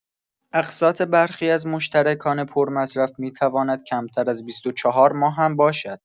اقساط برخی از مشترکان پرمصرف می‌تواند کمتر از ۲۴ ماه هم باشد.